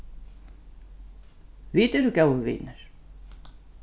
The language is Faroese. vit eru góðir vinir